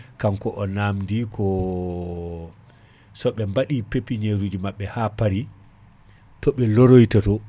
kanko o namdi koo soɓe mbaɗi pépinière uji mamɓe ha paari toɓe lorayta to